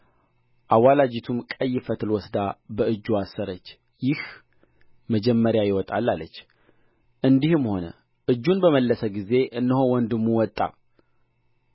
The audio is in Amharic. አዋላጂቱም ቀይ ፈትል ወስዳ በእጁ አሰረች ይህ መጀመሪያ ይወጣል አለች እንዲህም ሆነ እጁን በመለሰ ጊዜ እነሆ ወንድሙ ወጣ